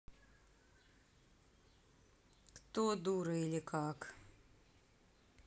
кто дура или как